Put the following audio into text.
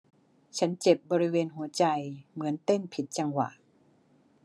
ฉันเจ็บบริเวณหัวใจเหมือนเต้นผิดจังหวะ